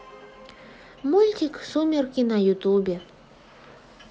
мультик сумерки на ютубе